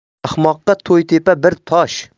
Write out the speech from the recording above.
ahmoqqa to'ytepa bir tosh